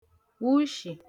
wushì